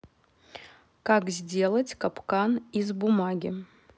как сделать капкан из бумаги